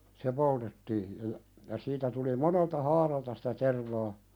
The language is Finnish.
se poltettiin ja ja ja siitä tuli monelta haaralta sitä tervaa